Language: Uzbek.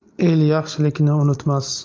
el yaxshilikni unutmas